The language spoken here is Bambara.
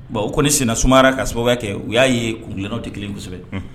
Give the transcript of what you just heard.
Bon u ko ni sina suma ka sababu kɛ u y'a ye kundina de kelensɛbɛ kosɛbɛ